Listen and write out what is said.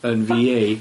Yn Vee Ay.